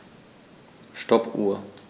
Stoppuhr.